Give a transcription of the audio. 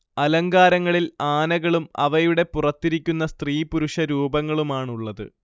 അലങ്കാരങ്ങളിൽ ആനകളും അവയുടെ പുറത്തിരിക്കുന്ന സ്ത്രീപുരുഷ രൂപങ്ങളുമാണുള്ളത്